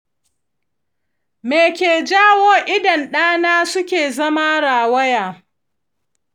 me ke jawo idanun ɗana suke zama rawaya?